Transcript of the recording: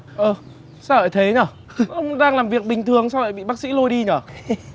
ơ sao lại thế nhờ ông đang làm việc bình thường sao lại bị bác sĩ lôi đi nhờ